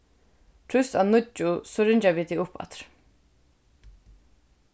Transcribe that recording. trýst á níggju so ringja vit teg uppaftur